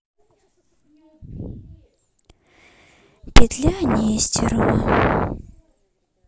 петля нестерова